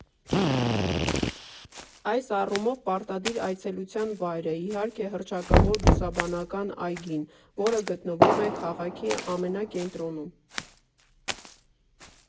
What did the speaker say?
Այս առումով պարտադիր այցելության վայր է, իհարկե, հռչակավոր Բուսաբանական այգին, որը գտնվում է քաղաքի ամենակենտրոնում։